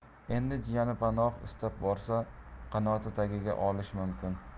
endi jiyani panoh istab borsa qanoti tagiga olishi mumkin